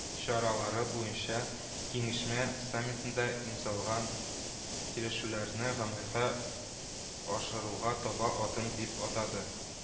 Чаралары буенча киңәшмә саммитында имзаланган килешүләрне гамәлгә ашыруга таба адым дип атады